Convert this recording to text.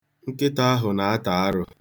Nkịta ahụ na-ata arụ.